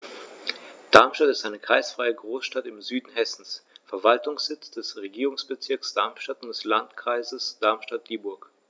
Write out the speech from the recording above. Darmstadt ist eine kreisfreie Großstadt im Süden Hessens, Verwaltungssitz des Regierungsbezirks Darmstadt und des Landkreises Darmstadt-Dieburg.